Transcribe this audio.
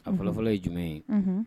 A fɔlɔ-fɔlɔ ye jumɛn ye unhun